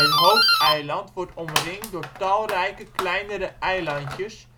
hoofdeiland wordt omringd door talrijke kleinere eilandjes